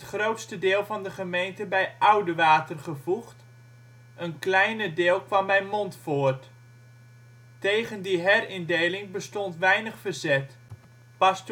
grootste deel van de gemeente bij Oudewater gevoegd, een kleiner deel kwam bij Montfoort. Tegen die herindeling bestond weinig verzet. Pas